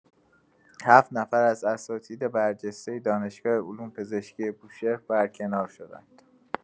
هفت نفر از اساتید برجسته دانشگاه علوم‌پزشکی بوشهر برکنار شدند!